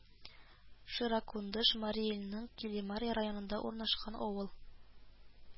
Широкундыш Мари Илнең Килемар районында урнашкан авыл